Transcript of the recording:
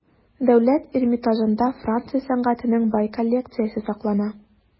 Дәүләт Эрмитажында Франция сәнгатенең бай коллекциясе саклана.